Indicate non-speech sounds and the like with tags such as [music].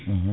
[hesitation] [hesitation]